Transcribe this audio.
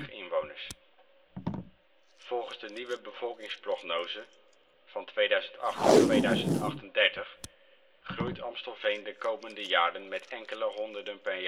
inwoners. Volgens de nieuwe bevolkingsprognose (2008-2038) groeit Amstelveen de komende jaren met enkele honderden per